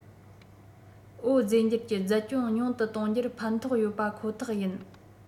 འོད རྫས འགྱུར གྱི བརྫད སྐྱོན ཉུང དུ གཏོང རྒྱུར ཕན ཐོགས ཡོད པ ཁོ ཐག ཡིན